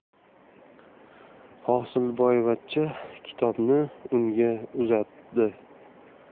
hosilboyvachcha kitobni unga uzatdi